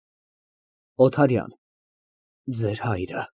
ՕԹԱՐՅԱՆ ֊ (Զսպված) Ձեր հայրը։